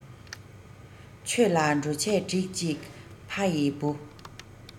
ཆོས ལ འགྲོ ཆས སྒྲིགས ཤིག ཕ ཡི བུ